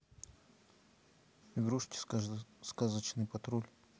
игрушки сказочный патруль